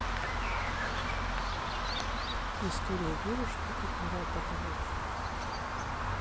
история девушки которая потолок